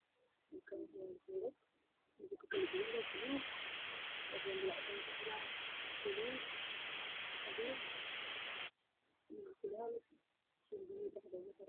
Halkaan waxaa yaalo toobab midabo kal duwan lah baluug boombale cadaan ku jiraan baluug cadays nac nac kuleel suun gaduud dhexda uga xiran.